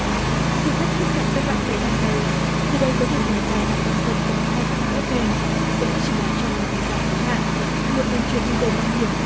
du khách thích cảm giác mạnh tới thăm pa ri giờ đây có thể nhảy ra khỏi ban công tầng hai của tháp ép phen dẫu chỉ là trong một thời gian giới hạn một đường trượt đu dây mạo hiểm